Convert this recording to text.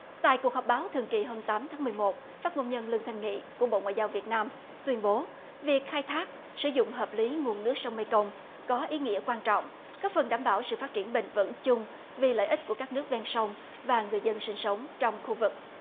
tại cuộc họp báo thường kỳ hôm tám tháng mười một phát ngôn nhân lương thanh nghị của bộ ngoại giao việt nam tuyên bố việc khai thác sử dụng hợp lý nguồn nước sông mê công có ý nghĩa quan trọng góp phần đảm bảo sự phát triển bền vững chung vì lợi ích của các nước ven sông và người dân sinh sống trong khu vực